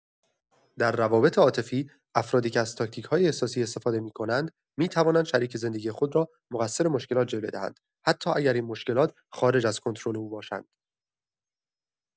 در روابط عاطفی، افرادی که از تاکتیک‌های احساسی استفاده می‌کنند، می‌توانند شریک زندگی خود را مقصر مشکلات جلوه دهند، حتی اگر این مشکلات خارج از کنترل او باشند.